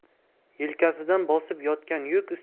yelkasidan bosib yotgan yuk